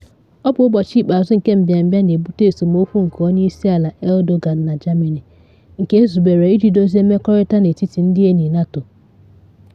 Ọ bụ ụbọchị ikpeazụ nke mbịambịa na ebute esemokwu nke Onye Isi Ala Erdogan na Germany- nke ezubere iji dozie mmekọrịta n’etiti ndị enyi NATO.